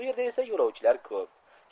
u yerda esa yo'lovchilar ko'p